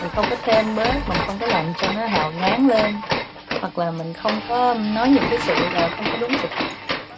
mình không có thêm bớt mình không có làm cho nó hào nhoáng lên hoặc là mình không có nói những cái sự là không có đúng sự thật